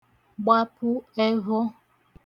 gbapụ ẹvhọ̄